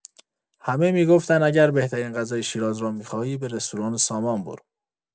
همه می‌گفتند: اگر بهترین غذای شیراز را می‌خواهی، به رستوران سامان برو.